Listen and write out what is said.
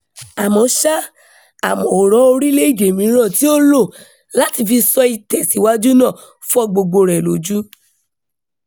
Àmọ́ ṣá, àwòrán orílẹ̀-èdè mìíràn tí ó lò láti fi sọ "ìtẹ̀síwájú" náà, fọ́ gbogbo rẹ̀ lójú.